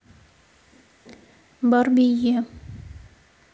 барби е